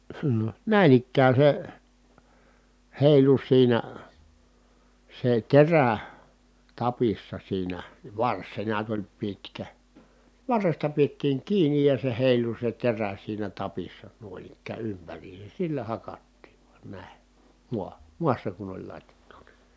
näin ikään se heilui siinä se terä tapissa siinä varsi se näet oli pitkä varresta pidettiin kiinni ja se heilui se terä siinä tapissa noin ikään ympäriinsä sillä hakattiin vain näin maahan maassa kun oli latjattuna